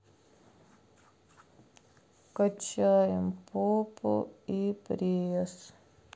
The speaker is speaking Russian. качаем попу и пресс